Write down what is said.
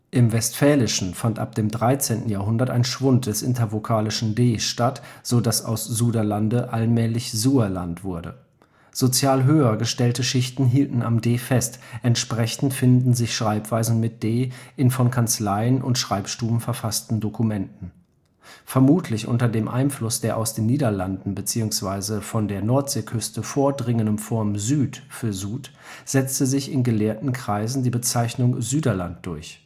Im Westfälischen fand ab dem 13. Jahrhundert ein Schwund des intervokalischen d statt, sodass aus Suderlande allmählich Suerland wurde. Sozial höher gestellte Schichten hielten am d fest; entsprechend finden sich Schreibweisen mit d in von Kanzleien und Schreibstuben verfassten Dokumenten. Vermutlich unter dem Einfluss der aus den Niederlanden beziehungsweise von der Nordseeküste vordringenden Form süd für sud setzte sich in gelehrten Kreisen die Bezeichnung Süderland durch